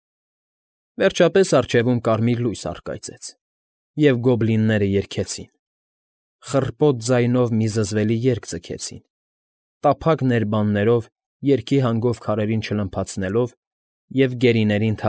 Վերջապես առջևում կարմիր լույս առկայծեց, և գոբլինները երգեցին, խռպոտ ձայնով մի զզվելի երգ ձգեցին, տափակ ներբաններով երգի հանգով քարերին չլմփացնելով և գերիներին։